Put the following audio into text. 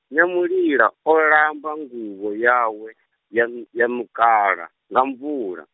Nyamulila, o lamba nguvho yawe, ya nu- ya ṋukala, nga mvula.